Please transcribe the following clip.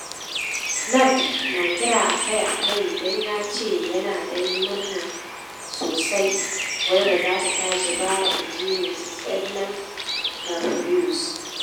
"Nad na kira a kai a kai don ya ce yana da muni sosai, wai bazata tashi ba," in ji Mrs Ednan-Laperouse.